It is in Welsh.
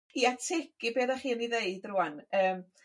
I ategu be' ddach chi'n 'i ddeud rŵan yym